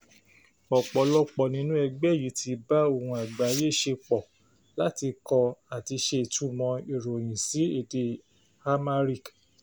Ọ̀pọ̀lọpọ̀ nínú ẹgbẹ́ yìí ti bá Ohùn Àgbáyé ṣe pọ̀ láti kọ àti ṣe ìtúmọ̀ ìròyìn sí èdè Amharic.